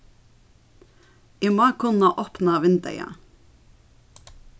eg má kunna opna vindeygað